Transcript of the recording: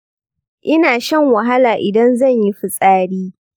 ina shan wahala idan zanyi fitsari